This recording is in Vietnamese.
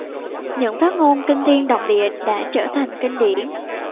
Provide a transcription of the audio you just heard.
những phát ngôn kinh thiên động địa đã trở thành kinh điển